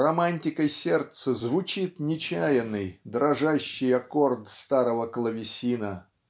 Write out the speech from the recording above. романтикой сердца звучит нечаянный дрожащий аккорд старого клавесина